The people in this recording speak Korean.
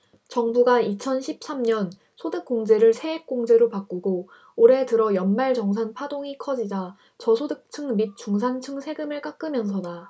정부가 이천 십 삼 년 소득공제를 세액공제로 바꾸고 올해 들어 연말정산 파동이 커지자 저소득층 및 중산층 세금을 깎으면서다